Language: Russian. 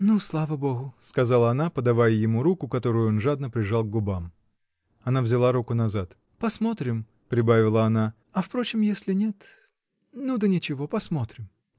— Ну, слава Богу, — сказала она, подавая ему руку, которую он жадно прижал к губам. Она взяла руку назад. — Посмотрим, — прибавила она. — А впрочем, если нет. Ну да ничего, посмотрим.